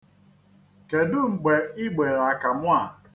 Kedu mgbe Ị gbere akamụ a?